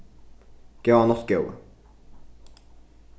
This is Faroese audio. góða nátt góði